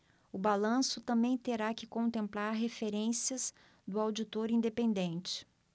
o balanço também terá que contemplar referências do auditor independente